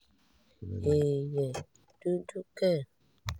Èèyàn dúdú kẹ̀?